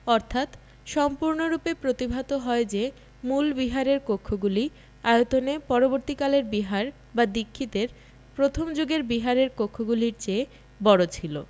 অর্থাৎ সম্পূর্ণরূপে প্রতিভাত হয় যে মূল বিহারের কক্ষগুলি আয়তনে পরবর্তী কালের বিহার বা দীক্ষিতের প্রথম যুগের বিহারের কক্ষগুলির চেয়ে বড় ছিল